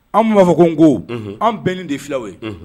An tun b'a fɔ ko n ko an bɛnnen de fulaw ye